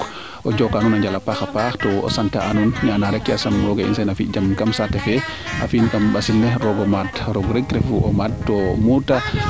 jokaa nuuna njal a paaxa paax to sant a nuun yasam rooga yaal sen a fi jam kam saate fee a fi in kam mbasil ne roogo maad roog soom refu o maad to muuta